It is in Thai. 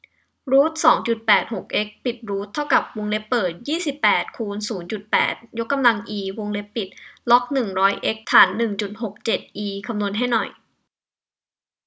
รูทสองจุดแปดหกเอ็กซ์จบรูทเท่ากับวงเล็บเปิดยี่สิบแปดคูณศูนย์จุดแปดยกกำลังอีวงเล็บปิดล็อกหนึ่งร้อยเอ็กซ์ฐานหนึ่งจุดหกเจ็ดอีคำนวณให้หน่อย